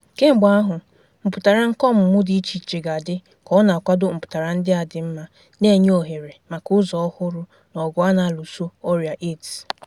Kemgbe ahụ, mpụtara nke ọmụmụ dị icheiche ga-adị ka ọ na-akwado mpụtara ndị a dị mma, na-enye ohere maka ụzọ ọhụrụ n'ọgụ a na-alụso ọrịa AIDS.